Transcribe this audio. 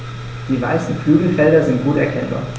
Die weißen Flügelfelder sind gut erkennbar.